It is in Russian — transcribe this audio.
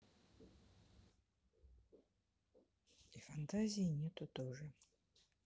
и фантазии нету тоже